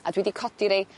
a dwi 'di codi rei